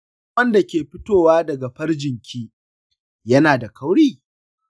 shin ruwan da ke fitowa daga farjinki yana da kauri?